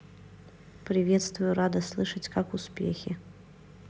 приветствую рада слышать как успехи